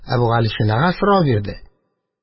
Әбүгалисинага сорау бирде: